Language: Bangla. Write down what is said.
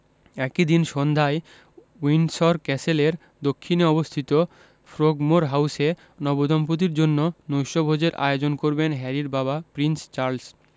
একই দিন সন্ধ্যায় উইন্ডসর ক্যাসেলের দক্ষিণে অবস্থিত ফ্রোগমোর হাউসে নবদম্পতির জন্য নৈশভোজের আয়োজন করবেন হ্যারির বাবা প্রিন্স চার্লস